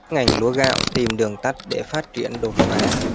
ngành lúa gạo tìm đường tắt để phát triển đột phá